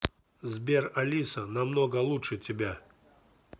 сбер алиса намного лучше тебя